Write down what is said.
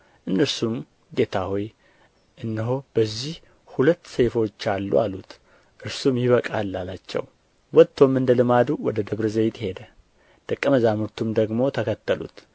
እነርሱም ጌታ ሆይ እነሆ በዚህ ሁለት ሰይፎች አሉ አሉት እርሱም ይበቃል አላቸው ወጥቶም እንደ ልማዱ ወደ ደብረ ዘይት ሄደ ደቀ መዛሙርቱም ደግሞ ተከተሉት